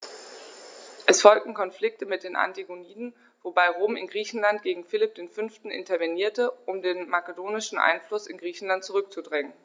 Es folgten Konflikte mit den Antigoniden, wobei Rom in Griechenland gegen Philipp V. intervenierte, um den makedonischen Einfluss in Griechenland zurückzudrängen.